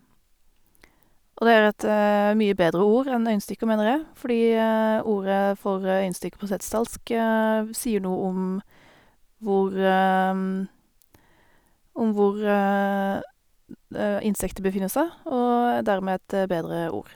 Og det er et mye bedre ord enn øyenstikker, mener jeg, fordi ordet for øyenstikker på setesdalsk v sier noe om hvor om hvor insektet befinner seg, og er dermed et bedre ord.